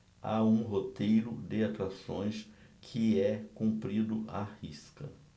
há um roteiro de atrações que é cumprido à risca